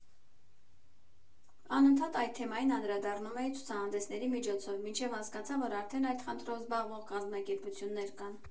Անընդհատ այդ թեմային անդրադառնում էի ցուցահանդեսների միջոցով, մինչև հասկացա, որ արդեն այդ խնդրով զբաղվող կազմակերպություններ կան»։